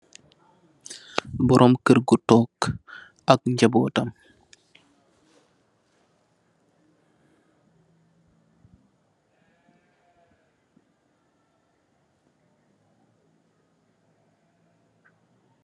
Borom keur gu took ak njabootam.